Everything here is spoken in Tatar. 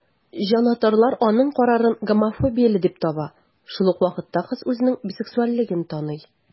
Җанатарлар аның карарын гомофобияле дип таба, шул ук вакытта кыз үзенең бисексуальлеген таный.